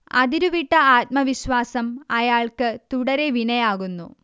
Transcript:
അതിരുവിട്ട ആത്മവിശ്വാസം അയാൾക്ക് തുടരെ വിനയാകുന്നു